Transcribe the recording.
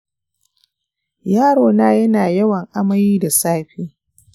yarona yana yawan amai da safe.